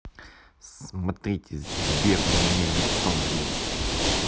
смотрите сбер умеренный тон блять